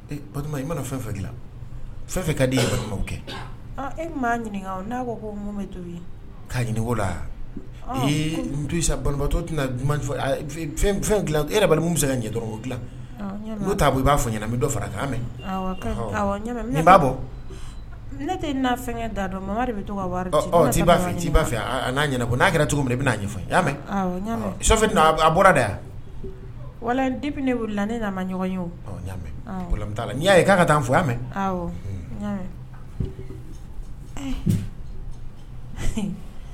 I mana fɛn fɛn dila fɛn fɛ ka di ye kɛ e ɲini n'a ko tobi'a ɲiniko latɔ tɛna fɛn e bɛ se ka ɲɛ dɔrɔn dila n' ta i b'a fɔ ɲɛna dɔ fara' mɛn'a bɔ ne tɛ fɛn da dɔn mama bɛ to b'ain'a fɛ n'a ɲɛna ko n'a kɛra cogo minɛ i bɛ ɲɛfɔa mɛnfɛ a bɔra da yan wa ne wulilala ne nana ɲɔgɔn ye ɲa n ye k'a ka taa fɔ' mɛn